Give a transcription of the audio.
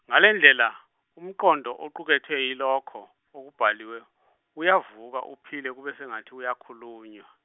ngalendlela, umqondo oqukethwe yilokho okubhaliwe uyavuka, uphile kube sengathi uyakhulunywa.